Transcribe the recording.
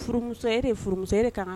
Furumuso, e de ye furumuso, e de ka